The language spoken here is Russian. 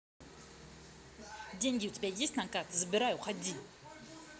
деньги у тебя есть на карте забирай уходи